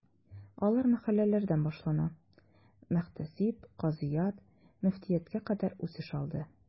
Алар мәхәлләләрдән башлана, мөхтәсиб, казыят, мөфтияткә кадәр үсеш алды.